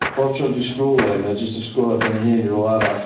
Bob tro dwi'n sgrôlio mae jyst yn sgrôlio ben ei hun i rywle arall.